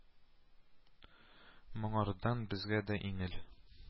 Моңардан безгә дә иңел